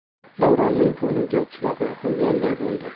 davronning ko'ngliga chiroq yoqilganday bo'ldi